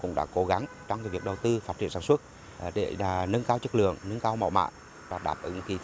cũng đã cố gắng trong việc đầu tư phát triển sản xuất và để là nâng cao chất lượng nâng cao mẫu mã đáp ứng cái